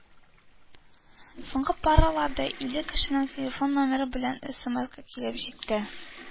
Соңгы парада илле кешенең телефон номеры белән смс килеп төшә